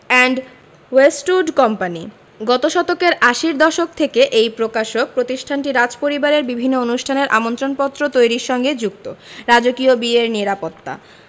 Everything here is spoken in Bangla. অ্যান্ড ওয়েস্টউড কোম্পানি গত শতকের আশির দশক থেকে এই প্রকাশক প্রতিষ্ঠানটি রাজপরিবারের বিভিন্ন অনুষ্ঠানের আমন্ত্রণপত্র তৈরির সঙ্গে যুক্ত রাজকীয় বিয়ের নিরাপত্তা